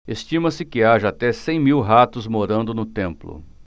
estima-se que haja até cem mil ratos morando no templo